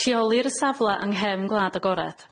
Lleolir y safla yng nghefn gwlad agored.